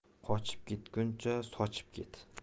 qochib ketguncha sochib ket